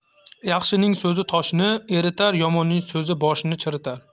yaxshining so'zi toshni eritar yomonning so'zi boshni chiritar